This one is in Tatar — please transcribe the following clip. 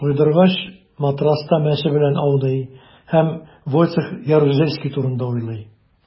Туйдыргач, матраста мәче белән ауный һәм Войцех Ярузельский турында уйлый.